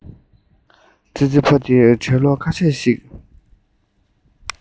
ཙི ཙི ཕོ དེ འགྲེ སློག ཁ ཤས ཤིག